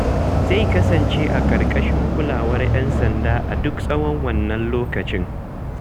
Zai kasance a ƙarƙashin kulawar 'yan sanda a duk tsawon wannan lokacin.